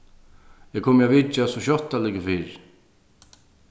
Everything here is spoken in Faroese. eg komi at vitja so skjótt tað liggur fyri